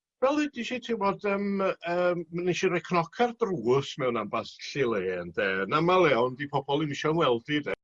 fel ddedes i ti wbod yym yym mi nesh i roi cnoc ar drws mewn amball i lel ynde yn amal iawn 'di pobol dim isio ngweld i 'de